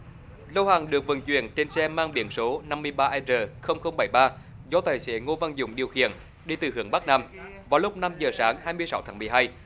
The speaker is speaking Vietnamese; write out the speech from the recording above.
lô hàng được vận chuyển trên xe mang biển số năm mươi ba e rờ không không bảy ba do tài xế ngô văn dũng điều khiển đi từ hướng bắc nam vào lúc năm giờ sáng hai mươi sáu tháng mười hai